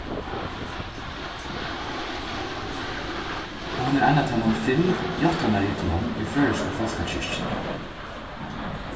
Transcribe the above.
og hon er ein av teimum fimm játtanarritunum í føroysku fólkakirkjuni